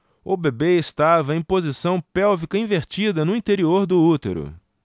o bebê estava em posição pélvica invertida no interior do útero